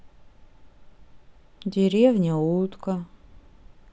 деревня утка